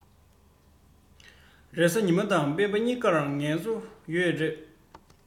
རེས གཟའ ཉི མར དང སྤེན པ གཉིས ཀར སལ གསོ ཡོད རེད